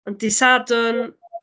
Ond Dydd Sadwrn.